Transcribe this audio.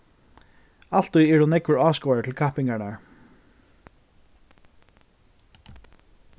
altíð eru nógvir áskoðarar til kappingarnar